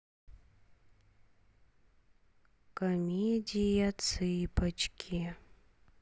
комедия цыпочки